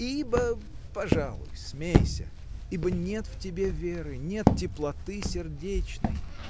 -- Ибо, -- пожалуй, смейся, -- ибо нет в тебе веры, нет теплоты сердечной